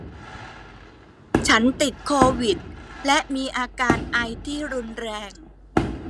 ฉันติดโควิดและมีอาการไอที่รุนแรง